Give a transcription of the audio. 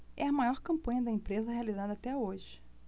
é a maior campanha da empresa realizada até hoje